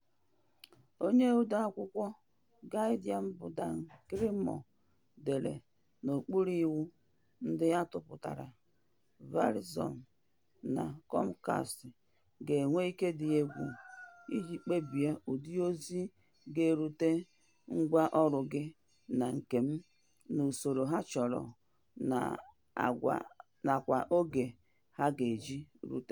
Onye odeakwụkwọ Guardian bụ Dan Gillmor dere na n'okpuru iwu ndị a tụpụtara, "Verizon na Comcast ga-enwe ike dị egwu iji kpebie ụdị ozi ga-erute ngwaọrụ gị na nke m, n'usoro ha chọrọ nakwa oge ha ga-eji rute."